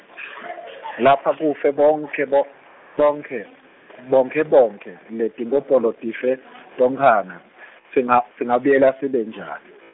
lapha kufe bonkhe bo- bonkhe, bonkhe bonkhe letinkopolo tife tonkhana singa singabuyela sibe njani.